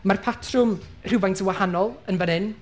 Mae'r patrwm rhywfaint yn wahanol yn fan hyn.